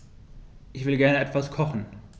Ich will gerne etwas kochen.